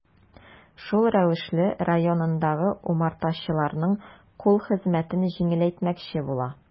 Шул рәвешле районындагы умартачыларның кул хезмәтен җиңеләйтмәкче була.